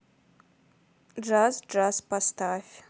джаз джаз поставь